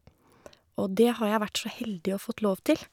Og det har jeg vært så heldig og fått lov til.